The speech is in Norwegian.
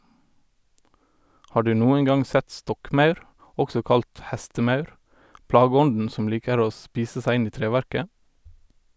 Har du noen gang sett stokkmaur, også kalt hestemaur, plageånden som liker å spise seg inn i treverket?